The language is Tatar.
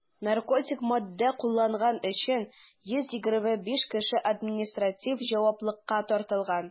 Наркотик матдә кулланган өчен 125 кеше административ җаваплылыкка тартылган.